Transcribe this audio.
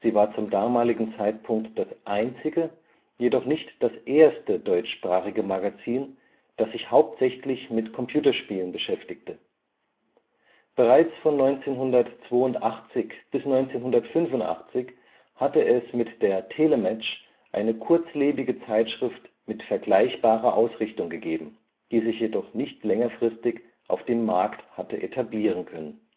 war zum damaligen Zeitpunkt das einzige, jedoch nicht das erste deutschsprachige Magazin, das sich hauptsächlich mit Computerspielen beschäftigte. Bereits von 1982 bis 1985 hatte es mit der TeleMatch eine kurzlebige Zeitschrift mit vergleichbarer Ausrichtung gegeben, die sich jedoch nicht längerfristig auf dem Markt hatte etablieren können